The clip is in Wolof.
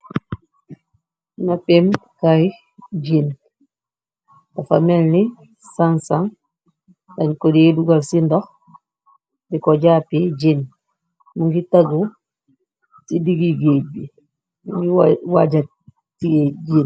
Napei kay jeeng dafa melni saansaan den ko dex dugal si ndox ndox diko japeh jeeng mogi tegu si digi gaag bi mu wacha fi gaag.